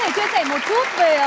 vầng